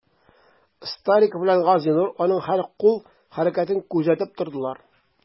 Стариков белән Газинур аның һәр кул хәрәкәтен күзәтеп тордылар.